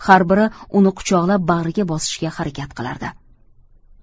har biri uni quchoqlab bag'riga bosishga harakat qilardi